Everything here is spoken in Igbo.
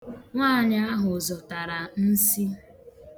Nwanyị ahụ zọtara nsi.